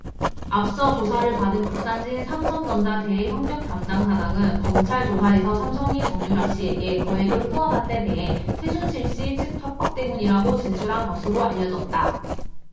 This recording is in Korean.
앞서 조사를 받은 박상진 삼성전자 대외협력담당 사장은 검찰조사에서 삼성이 정유라씨에게 거액을 후원한 데 대해 최순실씨 측 협박 때문이라고 진술한 것으로 알려졌다